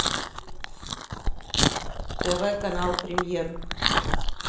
тв канал премьер